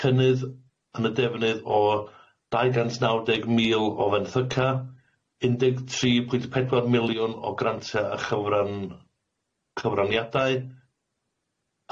cynnydd yn y defnydd o dau gant naw deg mil o fenthyca, un deg tri pwynt pedwar miliwn o grantia a chyfran- cyfraniadau.